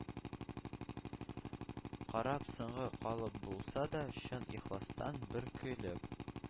Карап соңга калып булса да, чын ихластан бер көлеп